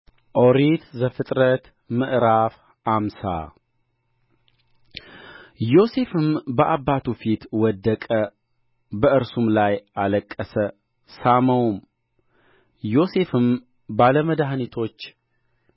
ኦሪት ዘፍጥረት ምዕራፍ አምሳ ዮሴፍም በአባቱ ፊት ወደቀ በእርሱም ላይ አለቀሰ ሳመውም ዮሴፍም ባለመድኃኒቶች